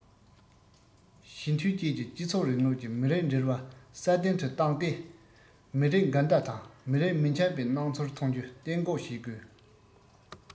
ཞི མཐུན བཅས ཀྱི སྤྱི ཚོགས རིང ལུགས ཀྱི མི རིགས འབྲེལ བ སྲ བརྟན དུ བཏང སྟེ མི རིགས འགལ ཟླ དང མི རིགས མི འཆམ པའི སྣང ཚུལ ཐོན རྒྱུ གཏན འགོག བྱེད དགོས